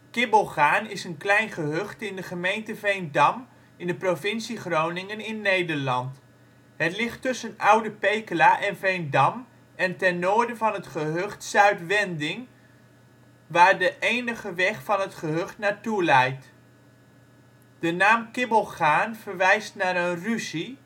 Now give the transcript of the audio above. Kibbelgoarn) is een klein gehucht in de gemeente Veendam, provincie Groningen (Nederland). Het ligt tussen Oude Pekela en Veendam en ten noorden van het gehucht Zuidwending waar de enige weg van het gehucht naar toe leidt. De naam Kibbelgaarn verwijst naar een ruzie